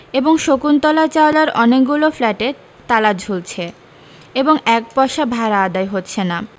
এবং শকুন্তলা চাওলার অনেকগুলো ফ্ল্যাটে তালা ঝুলছে এবং এক পয়সা ভাড়া আদায় হচ্ছে না